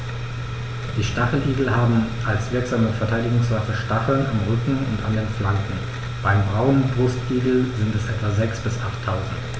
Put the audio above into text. Die Stacheligel haben als wirksame Verteidigungswaffe Stacheln am Rücken und an den Flanken (beim Braunbrustigel sind es etwa sechs- bis achttausend).